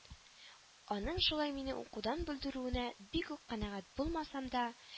Аның шулай мине укудан бүлдерүенә бик үк канәгать булмасам да